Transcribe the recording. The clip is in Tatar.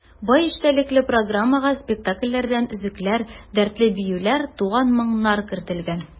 Бай эчтәлекле программага спектакльләрдән өзекләр, дәртле биюләр, туган моңнар кертелгән.